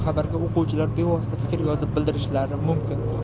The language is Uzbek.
xabarga o'quvchilar bevosita fikr yozib qoldirishlari mumkin